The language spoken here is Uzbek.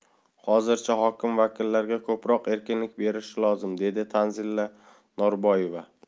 hozircha hokim vakillarga ko'proq erkinlik berishi lozim dedi tanzila norboyeva